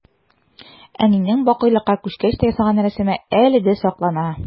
Әнинең бакыйлыкка күчкәч тә ясалган рәсеме әле дә саклана.